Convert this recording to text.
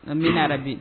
An bɛ nara bi